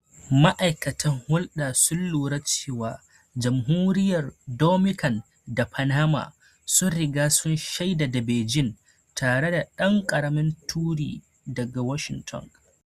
Ma’aikatan hulɗa sun lura cewa Jamhuriryar Dominican da Panama sun riga sun shaida da Beijing, tare da ɗan karamin turi daga Washington.